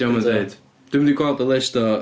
Dio'm yn deud. Dwi'm 'di gweld y list o...